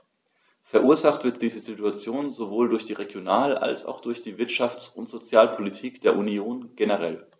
Verursacht wird diese Situation sowohl durch die Regional- als auch durch die Wirtschafts- und Sozialpolitik der Union generell.